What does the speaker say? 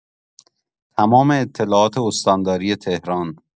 تمام اطلاعات استانداری تهران